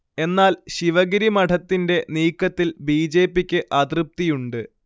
എന്നാൽ ശിവഗിരി മഠത്തിന്റെ നീക്കത്തിൽ ബിജെപിക്ക് അതൃപ്തിയുണ്ട്